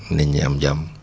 nit ñi am jàmm